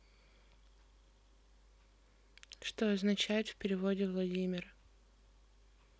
что означает в переводе владимир